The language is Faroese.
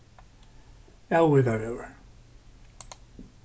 æðuvíkarvegur